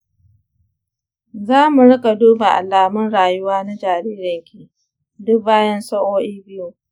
za mu riƙa duba alamun rayuwa na jaririnki duk bayan sa'o'i biyu